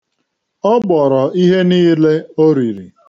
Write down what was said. Ọ gbọrọ ihe niile o riri.